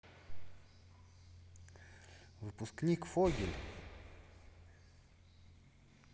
выпускник фогель